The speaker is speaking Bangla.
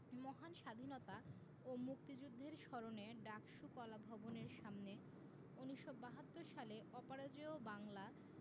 মহান স্বাধীনতা ও মুক্তিযুদ্ধের স্মরণে ডাকসু কলাভবনের সামনে ১৯৭২ সালে অপরাজেয় বাংলা